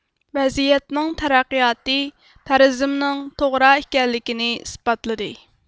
ۋەزىيەتنىڭ تەرەققىياتى پەرىزىمنىڭ توغرا ئىكەنلىكىنى ئىسپاتلىدى